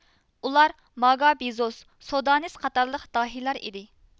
ئۇلار ماگابىزوس سودانىس قاتارلىق داھىيلار ئىدى